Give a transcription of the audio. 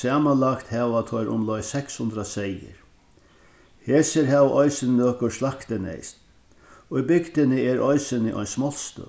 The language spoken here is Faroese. samanlagt hava teir umleið seks hundrað seyðir hesir hava eisini nøkur í bygdini er eisini ein smoltstøð